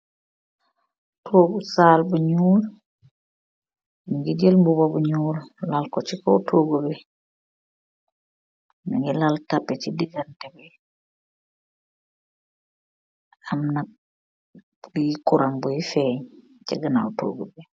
Toguu sal bu nyeoul tai ahmmeh kapet ce ronam.